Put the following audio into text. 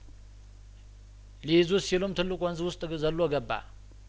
ሊይዙት ሲሉም ትልቅ ወንዝ ውስጥ ዘሎ ገባ